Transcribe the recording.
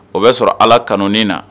O bɛ sɔrɔ ala ka na